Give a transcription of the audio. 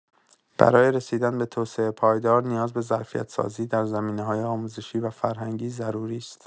برای رسیدن به توسعه پایدار، نیاز به ظرفیت‌سازی در زمینه‌های آموزشی و فرهنگی ضروری است.